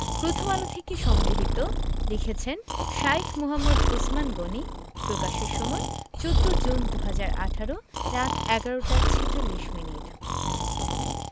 প্রথমআলো থেকে সংগৃহীত লিখেছেন শাঈখ মুহাম্মদ উছমান গনী প্রকাশের সময় ১৪ জুন ২০১৮ রাত ১১টা ৪৬ মিনিট